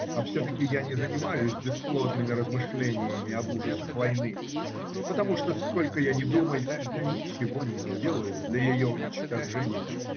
А все-таки я не занимаюсь бесплодными размышлениями об ужасах войны, потому что, сколько я ни думай, я ничего не сделаю для ее уничтожения.